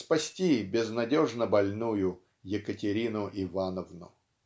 спасти безнадежно больную "Екатерину Ивановну".